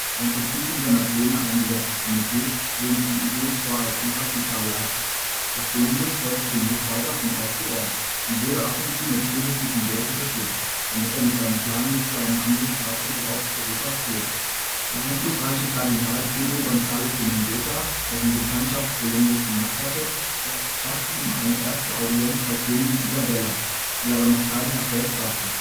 Ein zur Prüfung seiner Pläne eingesetztes Komitee lehnte die Idee zwar als unpraktikabel ab, doch Kolumbus folgte dem Hof weiter von Ort zu Ort und wurde ab und zu mit königlichem Geld unterstützt, damit er mit seinem Plan nicht zu einem anderen Staatsoberhaupt Europas zog. Der einflussreiche Kardinal Pedro González de Mendoza, dessen Bekanntschaft Kolumbus gemacht hatte, verschaffte ihm eine erste Audienz bei Königin Isabella, die aber noch keinen Erfolg brachte